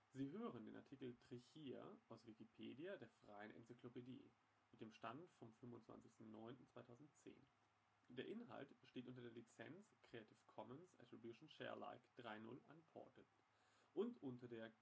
Sie hören den Artikel Trichia, aus Wikipedia, der freien Enzyklopädie. Mit dem Stand vom Der Inhalt steht unter der Lizenz Creative Commons Attribution Share Alike 3 Punkt 0 Unported und unter der